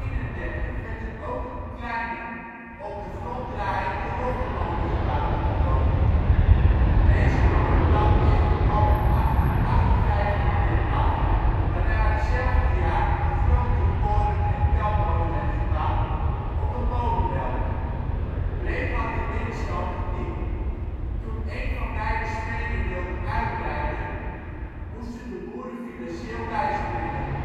en in 1831 werd er ook een kleine op de grond draaiende roggemolen gebouwd in het dorp. Deze molen brandde echter al in 1858 weer af, waarna hetzelfde jaar een grotere koren - en pelmolen werd gebouwd op een molenbelt. Breed had de middenstand het niet: Toen een van beide smeden wilde uitbreiden, moesten de boeren financieel bijspringen